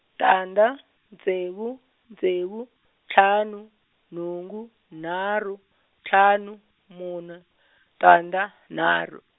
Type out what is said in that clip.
tandza ntsevu ntsevu ntlhanu nhungu nharhu ntlhanu mune tandza nharu.